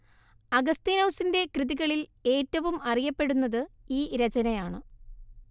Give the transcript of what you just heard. അഗസ്തീനോസിന്റെ കൃതികളിൽ ഏറ്റവും അറിയപ്പെടുന്നത് ഈ രചനയാണ്